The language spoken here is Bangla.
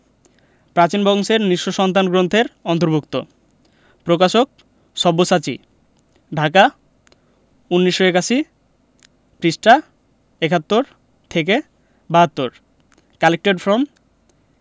প্রাচীন বংশের নিঃস্ব সন্তান গ্রন্থের অন্তর্ভুক্ত প্রকাশকঃ সব্যসাচী ঢাকা ১৯৮১ পৃষ্ঠাঃ ৭১ থেকে ৭২ কালেক্টেড ফ্রম